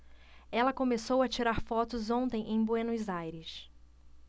ela começou a tirar fotos ontem em buenos aires